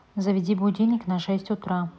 заведи будильник на шесть утра